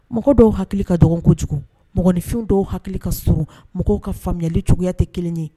Mɔgɔ dɔw hakili ka dɔgɔn kojugu mɔgɔninfin dɔw hakili ka surun mɔgɔw ka faamuyali cogoya tɛ kelen ye